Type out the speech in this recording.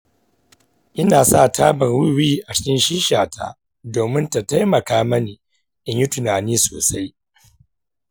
ina sa tabar wiwi a cikin shisha ta domin ta taimaka mini in yi tunani sosai.